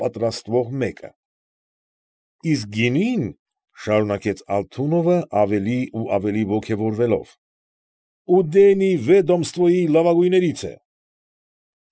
Պատրաստվող մեկը։ ֊ Իսկ գինին,֊ շարունակեց Ալթունովը, ավելի ու ավելի ոգևորվելով,֊ Ուդելնիյ Վեդոմստվոյի լավագույններից է։